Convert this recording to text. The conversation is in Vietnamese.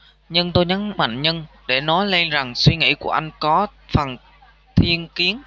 nhưng tôi nhấn mạnh nhưng để nói lên rằng suy nghĩ của anh có phần thiên kiến